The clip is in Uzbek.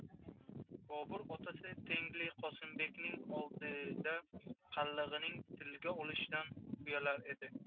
bobur otasi tengli qosimbekning oldida qallig'ini tilga olishdan uyalar edi